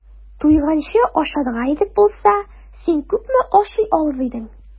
Туйганчы ашарга ирек булса, син күпме ашый алыр идең?